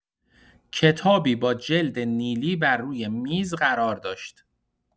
کتابی با جلد نیلی بر روی میز قرار داشت.